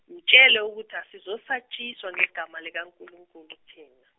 mtshele ukuthi asizosatshiswa ngegama likaNkulunkulu thina.